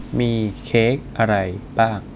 มีเค้กอะไรบ้าง